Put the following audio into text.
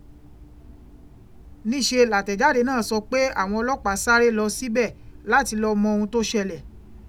Níṣe làtẹ̀jáde náà sọ pé àwọn ọlọ́pàá sáré lọ síbẹ̀ láti lọ mọ ohun tó ṣẹlẹ̀.